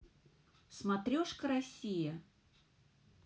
смотрешка россия